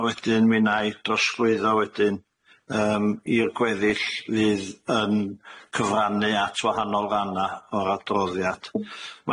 a wedyn mi 'na i drosglwyddo wedyn yym i'r gweddill fydd yn cyfrannu at wahanol ranna' o'r adroddiad.